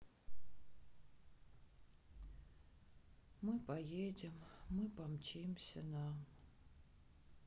мы поедем мы помчимся на